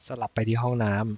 สลับไปที่ห้องน้ำ